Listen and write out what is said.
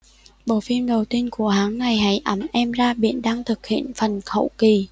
bộ phim đầu tiên của hãng này hãy ẵm em ra biển đang thực hiện phần hậu kỳ